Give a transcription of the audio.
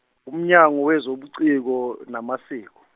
uMnyango wezoBuciko naMasiko.